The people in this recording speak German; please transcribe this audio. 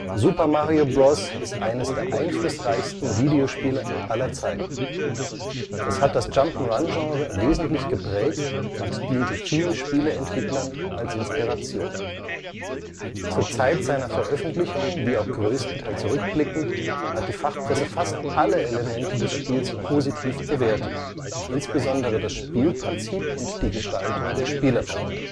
Super Mario Bros. ist eines der einflussreichsten Videospiele aller Zeiten. Es hat das Jump -’ n’ - Run-Genre wesentlich geprägt und diente vielen Spieleentwicklern als Inspiration. Zur Zeit seiner Veröffentlichung wie auch größtenteils rückblickend hat die Fachpresse fast alle Elemente des Spiels positiv bewertet, insbesondere das Spielprinzip und die Gestaltung der Spielabschnitte